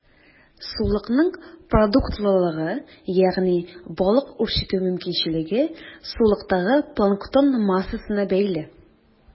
Сулыкның продуктлылыгы, ягъни балык үрчетү мөмкинчелеге, сулыктагы планктон массасына бәйле.